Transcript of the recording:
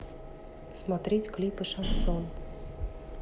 смотреть клипы шансон